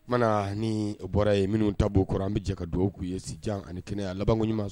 O mana ni bɔra yen minnu ta'o kɔrɔ an bɛ jɛ ka dugawu'u ye si jan ani kɛnɛ labankoɲuman